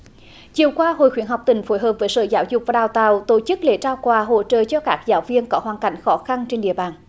chiều qua hội khuyến học tỉnh phối hợp với sở giáo dục và đào tạo tổ chức lễ trao quà hỗ trợ cho các giáo viên có hoàn cảnh khó khăn trên địa bàn